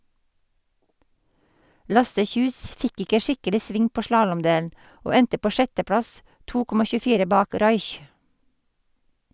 Lasse Kjus fikk ikke skikkelig sving på slalåmdelen, og endte på sjetteplass, 2,24 bak Raich.